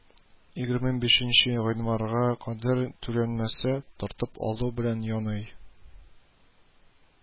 Егерме бишенче гыйнварга кадәр түләнмәсә, тартып алу белән яный